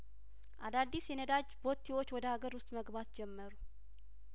አዳዲስ የነዳጅ ቦቴዎች ወደ ሀገር ውስጥ መግባት ጀመሩ